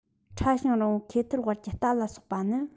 ཕྲ ཞིང རིང བའི ཁེ ཐི ཝར གྱི རྟ ལ སོགས པ ནི